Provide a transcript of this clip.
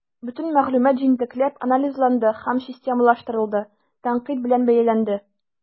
Бөтен мәгълүмат җентекләп анализланды һәм системалаштырылды, тәнкыйть белән бәяләнде.